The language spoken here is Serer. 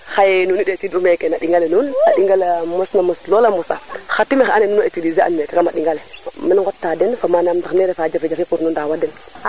xaye nuun i ndetud u meeke na ɗinga le nuun a ndingale mos na mos lool a mosa xa tima xe ando naye nu na utiliser an meke kama ɗingale mam nu ngota den fo manam ne refe jafe jafe pour nu ndawa den